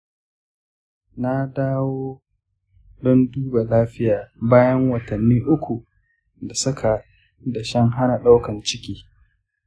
na dawo don duba lafiya bayan watanni uku da saka dashen hana daukar ciki .